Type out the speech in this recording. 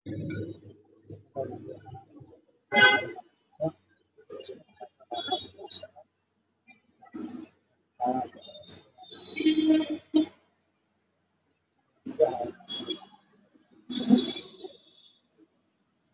Waxaa ii muuqdo ibs bank card